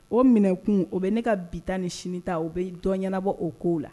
O minɛkun o bɛ ne ka bi tan ni sini ta o bɛ dɔn ɲɛnaanabɔ o koo la